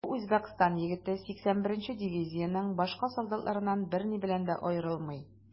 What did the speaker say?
Бу Үзбәкстан егете 81 нче дивизиянең башка солдатларыннан берни белән дә аерылмый.